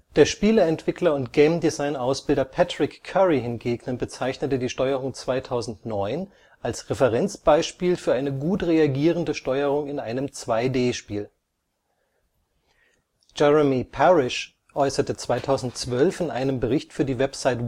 Der Spieleentwickler und Game-Design-Ausbilder Patrick Curry hingegen bezeichnete die Steuerung 2009 als Referenzbeispiel für eine gut reagierende Steuerung in einem 2D-Spiel. Jeremy Parish äußerte 2012 in einem Bericht für die Website